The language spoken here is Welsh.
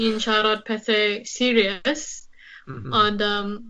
...ni'n siarad pethe serious... Mhm. ...ond yym